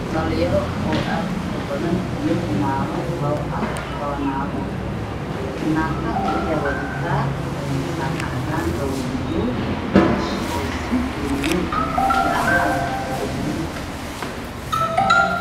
Dhaliyaro aad u farbadan iyo naag o labo naagta wax wadtaa saako cadaan ah kabo madmadow ah shuut iyo turaaxad buluug ah